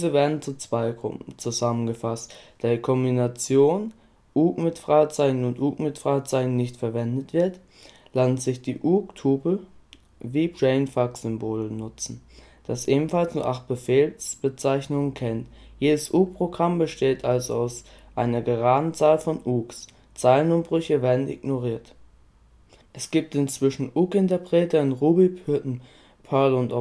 werden zu Zweiergruppen zusammengefasst. Da die Kombination Ook? Ook? nicht verwendet wird, lassen sich die Ook-Tupel wie Brainfucksymbole nutzen, das ebenfalls nur acht Befehlsbezeichnungen kennt. Jedes Ook! - Programm besteht also aus einer geraden Zahl von Ooks. Zeilenumbrüche werden ignoriert. Es gibt inzwischen Ook! - Interpreter in Ruby, Python, Perl und